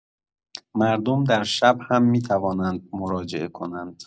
مردم در شب هم می‌توانند مراجعه کنند.